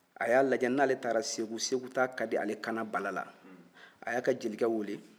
a y'a lajɛ n'ale taara segu segu taa ka di ale kana bala la a y'a ka jelikɛ wele